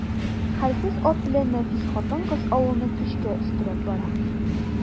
Хәлсез ат белән нәфис хатын-кыз авылны көчкә өстерәп бара.